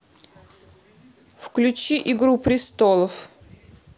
включи игру престолов